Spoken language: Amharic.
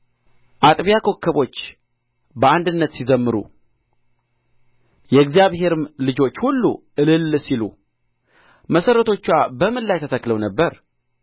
አጥቢያ ኮከቦች በአንድነት ሲዘምሩ የእግዚአብሔርም ልጆች ሁሉ እልል ሲሉ መሠረቶችዋ በምን ላይ ተተክለው ነበር